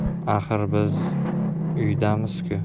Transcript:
axir biz uydamizku